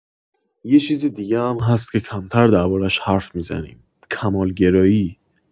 یه چیز دیگه هم هست که کمتر درباره‌ش حرف می‌زنیم: کمال‌گرایی.